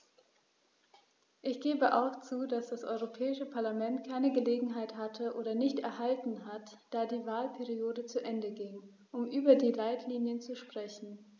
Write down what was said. Ich gebe auch zu, dass das Europäische Parlament keine Gelegenheit hatte - oder nicht erhalten hat, da die Wahlperiode zu Ende ging -, um über die Leitlinien zu sprechen.